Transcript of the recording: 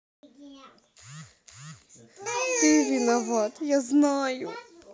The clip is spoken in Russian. ты виноват я знаю